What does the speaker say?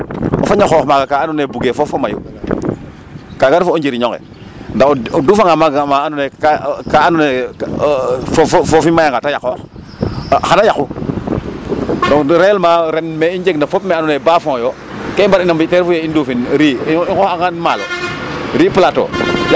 Kaaga refu o njiriñ onqe ndaa o duufanga maaga ma andoona yee ka andoona yee foof, foofi mayanga ta yaqooxaa xan a yaqu donc réélement ren me i njegna fop me andoona yee bas fond yo ke i mbar'ina mbi' ten refu yee dufin riz i nqooxangaan maalo riz plateau.